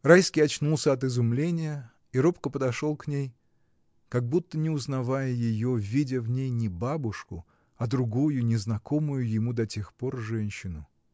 Райский очнулся от изумления и робко подошел к ней, как будто не узнавая ее, видя в ней не бабушку, а другую, незнакомую ему до тех пор женщину.